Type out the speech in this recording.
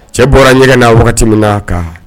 Cɛ bɔra ɲɛgɛn na wagati min na kan